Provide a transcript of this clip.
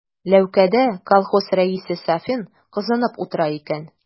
Ләүкәдә колхоз рәисе Сафин кызынып утыра икән.